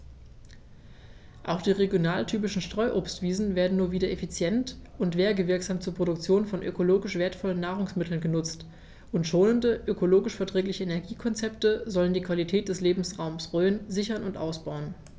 Auch die regionaltypischen Streuobstwiesen werden nun wieder effizient und werbewirksam zur Produktion von ökologisch wertvollen Nahrungsmitteln genutzt, und schonende, ökologisch verträgliche Energiekonzepte sollen die Qualität des Lebensraumes Rhön sichern und ausbauen.